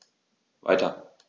Weiter.